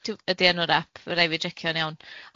d- ydi enw' ap, fy' rai' fi jecio'n iawn